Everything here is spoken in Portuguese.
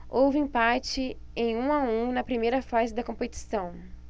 houve empate em um a um na primeira fase da competição